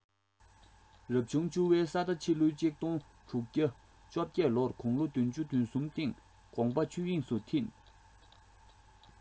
རབ བྱུང བཅུ བའི ས རྟ ཕྱི ལོ ༡༦༡༨ ལོར དགུང ལོ བདུན ཅུ དོན གསུམ སྟེང དགོངས པ ཆོས དབྱིངས སུ འཐིམས